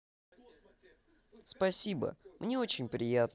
спасибо мне очень приятно